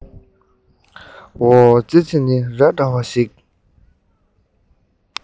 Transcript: འོ ཙི ཙི ནི ར འདྲ བ ཞིག